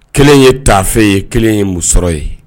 Kelen ye tafe ye kelen ye muso ye